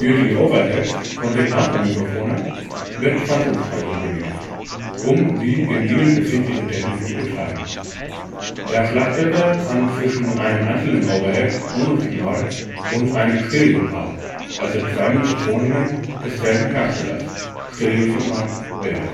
die Overheads (Kondensatormikrofone) wird Phantomspeisung benötigt, um die in ihnen befindliche Technik zu betreiben. Der Schlagzeuger kann zwischen einem einzelnen Overhead (Monosignal) und einem „ Stereopaar “, also zwei Mikrofonen desselben Herstellers (Stereosignal) wählen